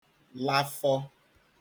lafọ